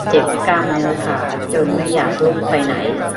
เจ็บกล้ามเนื้อขาจนไม่อยากลุกไปไหน